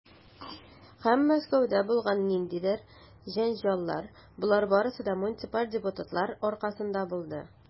Һәм Мәскәүдә булган ниндидер җәнҗаллар, - болар барысы да муниципаль депутатлар аркасында булды.